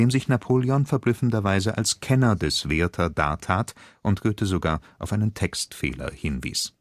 sich Napoleon verblüffenderweise als Kenner des Werthers dartat und Goethe sogar auf einen Textfehler hinwies